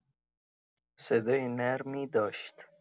صدای نرمی داشت.